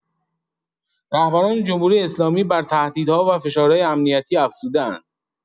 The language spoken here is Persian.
رهبران جمهوری‌اسلامی بر تهدیدها و فشارهای امنیتی افزوده‌اند